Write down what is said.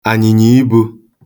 anyị̀nyìibū